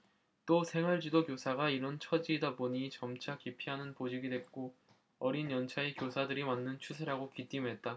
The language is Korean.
또 생활지도 교사가 이런 처지이다 보니 점차 기피하는 보직이 됐고 어린 연차의 교사들이 맡는 추세라고 귀띔했다